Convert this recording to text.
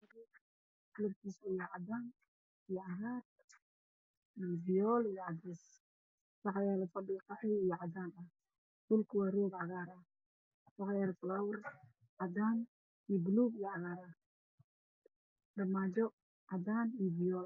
Waa hool daahman caddaan iyo cagaar ayaa ku dhagan fadhicadaan ayaa yaalo